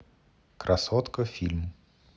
красотка фильм